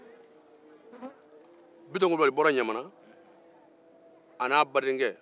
bitɔn kulubali n'a badenkɛ bɔra ɲamana